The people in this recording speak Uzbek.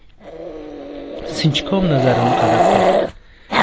sinchkov nazarini qadab turibdi